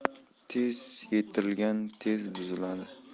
tez yetilgan tez buziladi